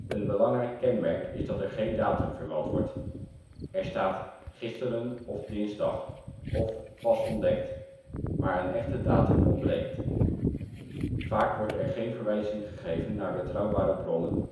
Een belangrijk kenmerk is dat er geen datum vermeld wordt. Er staat " gisteren " of " dinsdag " of " pas ontdekt " maar een echte datum ontbreekt. Vaak wordt er geen verwijzing gegeven naar betrouwbare bronnen